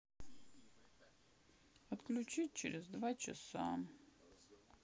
отключить через два часа